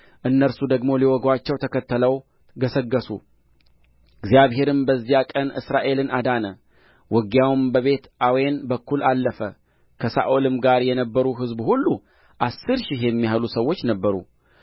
እነርሱ ደግሞ ሊዋጉአቸው ተከትለው ገሠገሡ እግዚአብሔርም በዚያ ቀን እስራኤልን አዳነ ውጊያውም በቤትአዌን በኩል አለፈ ከሳኦልም ጋር የነበሩ ሕዝብ ሁሉ አሥር ሺህ የሚያህሉ ሰዎች ነበሩ